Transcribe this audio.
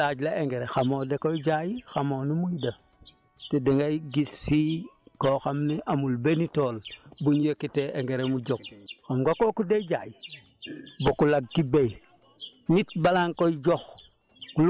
mais ki nga gisul toolam mu laaj la engrais xamoo dakoy jaay xamoo numuy def te dangay gis fii koo xam ni amul benn tool buñ yëkkatee engrais mu jóg xam nga kooku day jaay bokkul ak ki béy